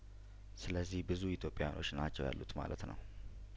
ስለዚህ ብዙ ኢትዮጵያኖች ናቸው ያሉት ማለት ነው